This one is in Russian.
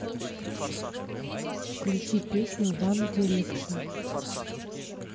включи песню ван дирекшен